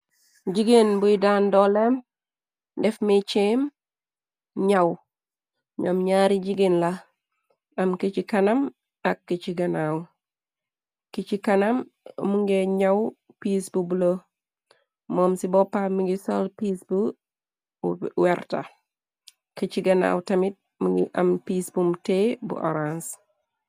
Jigéen büy daan dooleem def mecheem ñyaw ñoom ñyaari jigeen la am kichi kanam ak kichi ganaaw kichi kanam mu gee ñyaw piis bu bulo moom ci boppa mongi sol piis bu werta kicci ganaaw tamit mu ngi am piis bumutee bu orance.